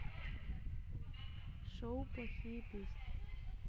шоу плохие песни